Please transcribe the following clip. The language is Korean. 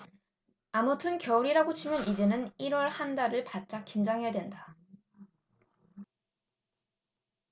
아무튼 겨울이라고 치면 이제는 일 월 한 달을 바짝 긴장해야 된다